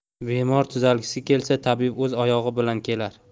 bemor tuzalgisi kelsa tabib o'z oyog'i bilan kelar